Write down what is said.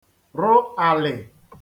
rụ àlị̀